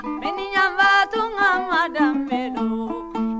miniyanba tunga ma danbe lɔn